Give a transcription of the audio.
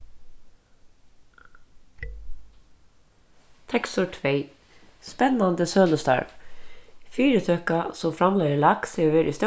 tekstur tvey spennandi sølustarv fyritøka